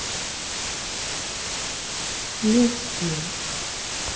не успел